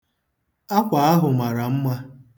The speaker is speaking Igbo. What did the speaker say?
Akwa ahụ mara mma.